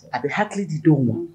A bɛ hakili di denw ma